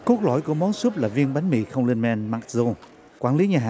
cốt lõi của món súp viên bánh mì không lên men mặc dù quản lý nhà hàng